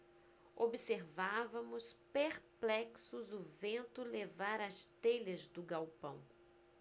observávamos perplexos o vento levar as telhas do galpão